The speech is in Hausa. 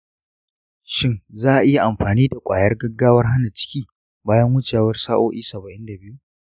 shin za a iya amfani da kwayar gaggawar hana ciki bayan wucewar sa'o'i saba’in da biyu?